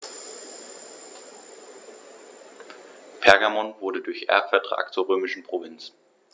Pergamon wurde durch Erbvertrag zur römischen Provinz.